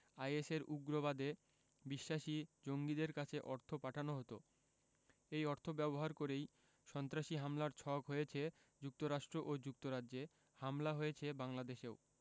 আইএসের উগ্রবাদে বিশ্বাসী জঙ্গিদের কাছে অর্থ পাঠানো হতো এই অর্থ ব্যবহার করেই সন্ত্রাসী হামলার ছক হয়েছে যুক্তরাষ্ট্র ও যুক্তরাজ্যে হামলা হয়েছে বাংলাদেশেও